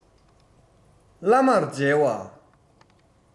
བླ མར མཇལ བ